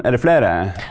er det flere?